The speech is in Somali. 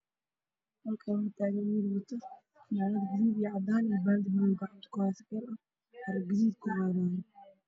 Halkaan waxaa taagan wiil wato fanaanad guduud iyo cadaan baaldi madaw gacanta kuhaysto xarig guduud kor u qaadooyo